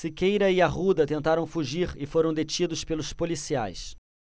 siqueira e arruda tentaram fugir e foram detidos pelos policiais